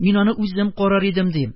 Мин аны үзем карар идем, - дим.